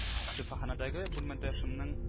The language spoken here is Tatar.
Шифаханәдәге бүлмәдәшемнең